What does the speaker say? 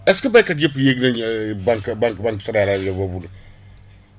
est ce que béykay yëpp yëg nañ banque banque banque céréalière boobu